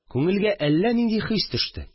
Күңелгә әллә нинди хис төште